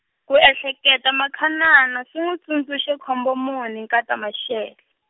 ku ehleketa Makhanani swi n'wi tsundzuxe khombomuni nkata Mashele?